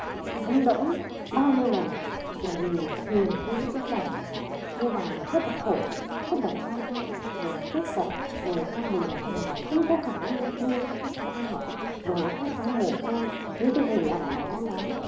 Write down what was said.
thấm đẫm bao nhiêu lần bởi vì nhìn thấy những cái cảnh như là rất là khổ chất độc da cam rồi khuyết tật rồi gia đình nghèo không có khả năng nuôi cho các cháu ăn học rồi các cháu mồ côi những cái hình ảnh đó nó